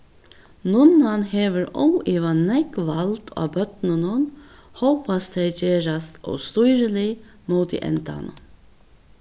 nunnan hevur óivað nógv vald á børnunum hóast tey gerast óstýrilig móti endanum